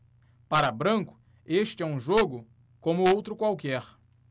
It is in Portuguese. para branco este é um jogo como outro qualquer